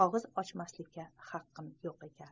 og'iz ochmaslikka haqqim yo'q ekan